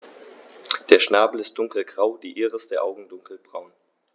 Der Schnabel ist dunkelgrau, die Iris der Augen dunkelbraun.